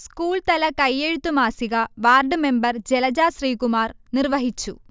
സ്കൂൾതല കയെഴുത്തു മാസിക ward member Jalaja Sreekumar നിർവഹിച്ചു